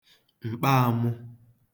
m̀kpaāmụ̄